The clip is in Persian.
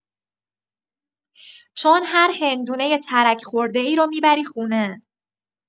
چون هر هندونه ترک‌خورده‌ای رو می‌بری خونه.